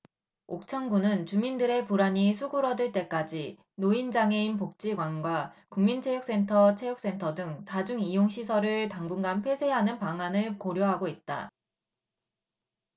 옥천군은 주민들의 불안이 수그러들 때까지 노인장애인복지관과 국민체육센터 체육센터 등 다중 이용시설을 당분간 폐쇄하는 방안을 고려하고 있다